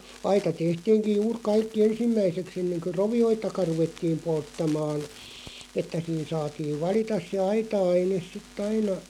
aita tehtiinkin juuri kaikki ensimmäiseksi ennen kuin rovioitakaan ruvettiin polttamaan että siinä saatiin valita se aita-aine sitten aina